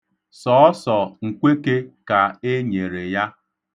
Sọọsọ nkweke ka e nyere ya.